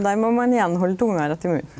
der må ein igjen halda tunga rett i munnen.